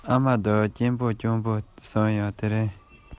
ཞིང ཐང གཞན ཞིག ཏུ སླེབས ཚེ